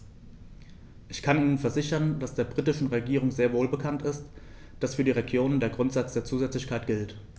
Ich kann Ihnen versichern, dass der britischen Regierung sehr wohl bekannt ist, dass für die Regionen der Grundsatz der Zusätzlichkeit gilt.